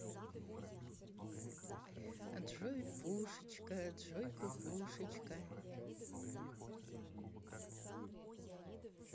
джой пушка джой кукушечка